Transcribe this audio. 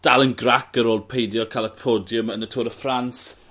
Dal yn grac ar ôl peidio ca'l y podiwm yn y Tour de France.